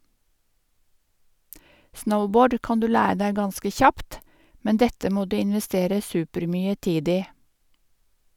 Snowboard kan du lære deg ganske kjapt, men dette må du investere supermye tid i.